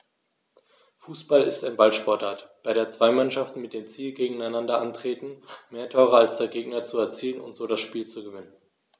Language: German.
Fußball ist eine Ballsportart, bei der zwei Mannschaften mit dem Ziel gegeneinander antreten, mehr Tore als der Gegner zu erzielen und so das Spiel zu gewinnen.